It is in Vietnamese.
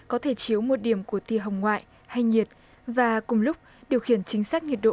có thể chiếu một điểm của tia hồng ngoại hay nhiệt và cùng lúc điều khiển chính xác nhiệt độ